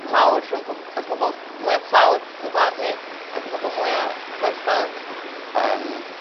mawr rhwng pob- y pobol mwya tlawd yn gwlad ni ac y pobol mwya cyfoethog yym.